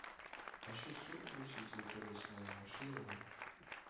Ачы су Русия территориясеннән агучы елга